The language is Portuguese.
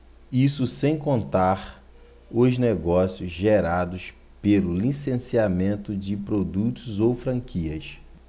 isso sem contar os negócios gerados pelo licenciamento de produtos ou franquias